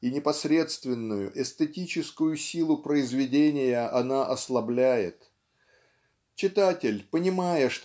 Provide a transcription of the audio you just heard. и непосредственную эстетическую силу произведения она ослабляет. Читатель понимая